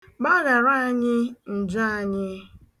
Gbaghara ya anyị njọ anyị.